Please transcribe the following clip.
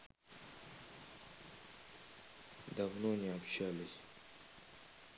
давно не общались